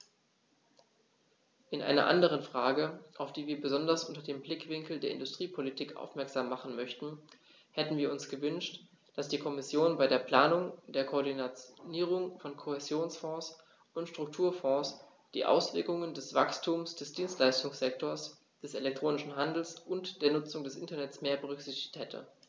In einer anderen Frage, auf die wir besonders unter dem Blickwinkel der Industriepolitik aufmerksam machen möchten, hätten wir uns gewünscht, dass die Kommission bei der Planung der Koordinierung von Kohäsionsfonds und Strukturfonds die Auswirkungen des Wachstums des Dienstleistungssektors, des elektronischen Handels und der Nutzung des Internets mehr berücksichtigt hätte.